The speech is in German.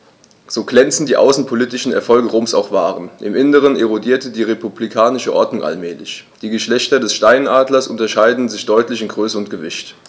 So glänzend die außenpolitischen Erfolge Roms auch waren: Im Inneren erodierte die republikanische Ordnung allmählich. Die Geschlechter des Steinadlers unterscheiden sich deutlich in Größe und Gewicht.